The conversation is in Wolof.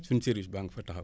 suñ service baa nga fa taxaw